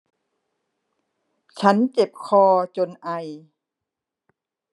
ฉันเจ็บคอจนไอ